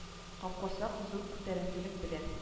Капкорсак зур күтәренкелек белән